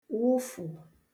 wụfụ̀